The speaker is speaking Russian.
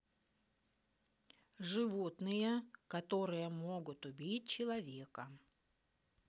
животные которые могут убить человека